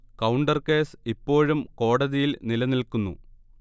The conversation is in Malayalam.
കൗണ്ടർ കേസ് ഇപ്പോഴും കോടതിയിൽ നിലനിൽക്കുന്നു